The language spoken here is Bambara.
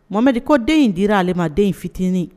Momari ko den in dira ale ma den in fitinin